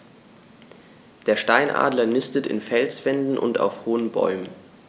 Der Steinadler nistet in Felswänden und auf hohen Bäumen.